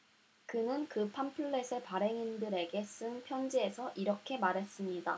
그는 그 팜플렛의 발행인들에게 쓴 편지에서 이렇게 말했습니다